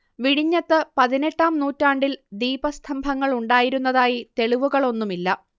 വിഴിഞ്ഞത്ത് പതിനെട്ടാം നൂറ്റാണ്ടിൽ ദീപസ്തംഭങ്ങൾ ഉണ്ടായിരുന്നതായി തെളിവുകളൊന്നുമില്ല